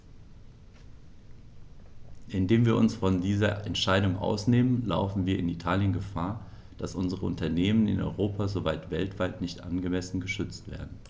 Indem wir uns von dieser Entscheidung ausnehmen, laufen wir in Italien Gefahr, dass unsere Unternehmen in Europa sowie weltweit nicht angemessen geschützt werden.